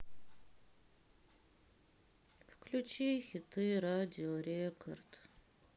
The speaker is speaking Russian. включи хиты радио рекорд